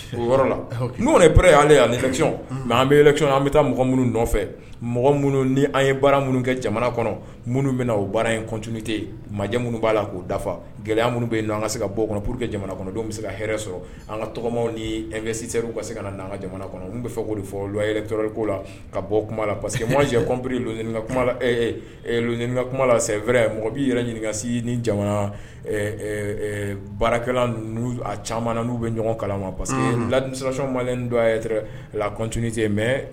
La n'o yeɛ y'alecɔn mɛ an bɛcɔn an bɛ taa mɔgɔ minnu nɔfɛ mɔgɔ minnu ni an ye baara minnu kɛ jamana kɔnɔ minnu bɛ baaratte ma minnu b'a la k'o dafa gɛlɛya minnu an ka se ka bɔ pur que kɛ jamana kɔnɔ bɛ se ka hɛrɛɛrɛ sɔrɔ an ka tɔgɔmaw nisi sera ka se ka na' an ka jamana kɔnɔ olu tun bɛ fɛ fɔ' fɔ to ko la ka bɔ kuma la parce que makanɔnp ka kuma laɛrɛ mɔgɔ b'i yɛrɛ ɲininkakasi ni baarakɛla caman nu bɛ ɲɔgɔn kalama parce que la siranc ma dont yen mɛ